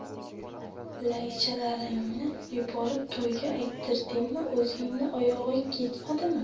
laychalaringni yuborib to'yga ayttirdingmi o'zingning oyog'ing yetmadimi